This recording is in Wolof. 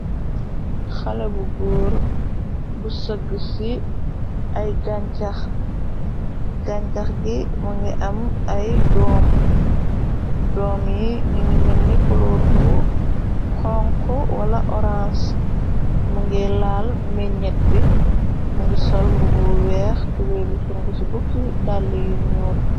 xale bu góor bu sëgg ci ay gancax gancax gi mu ngi am ay doom yi ninu menni kuloor bu conko wala orance mu ngi laal meññet bi mu ngi sol mbu bu weex tuwée bu sung ci bukki dàll yu ñuul.